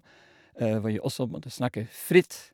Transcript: Hvor jeg også måtte snakke fritt.